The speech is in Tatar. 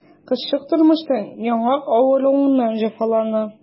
Кызчык тумыштан яңак авыруыннан җәфалана.